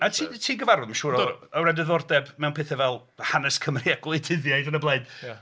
Ti'n... ti'n gyfarwydd mae'n siwr o ran diddordeb mewn pethau fel hanes Cymru a gwleidyddiaeth ac yn y blaen.